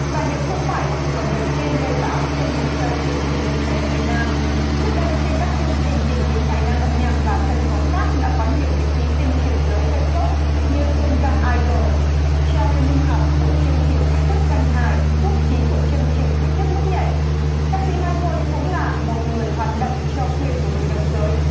và hiếu không phải là trường hợp đầu tiên gây bão trên một sâu truyền hình thực tế ở việt nam trước đây trên các chương trình tìm kiếm tài năng âm nhạc và sân khấu khác đã có nhiều những thí sinh chuyển giới gây sốt như hương giang ai đồ che ry minh ngọc của chương trình thách thức danh hài quốc chí của chương trình thách thức bước nhảy ca sĩ mai khôi cũng là một người hoạt động cho quyền của người đồng giới